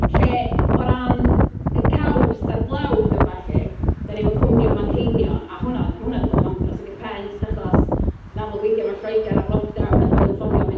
Lle, o ran y caws a'r blawd a ballu, dan ni efo cwmni o Manceinion. A hwnna, ma' hwnna 'di bod yn andros o gur pen, jyst achos yn amlwg weithiau mae Lloegr ar lockdown. A wedyn maen nhw'n ffonio a mynd...